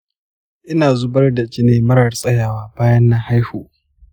ina zubar da jini marar tsayawa bayan na haihu